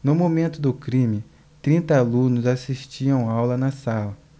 no momento do crime trinta alunos assistiam aula na sala